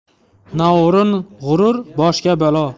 noo'rin g'urur boshga balo